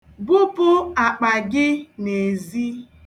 Bupụ akpa gị n'ezi.